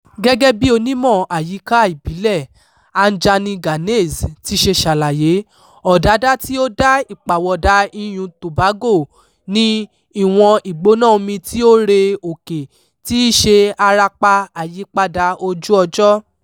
Gẹ́gẹ́ bí onímọ̀ àyíká ìbílẹ̀ Anjani Ganase ti ṣe ṣàlàyé, ọ̀dádá tí ó dá ìpàwọ̀dà iyùn-un Tobago ni ìwọ̀n ìgbóná omi tí ó re òkè — tí í ṣe arapa àyípadà ojú-ọjọ́.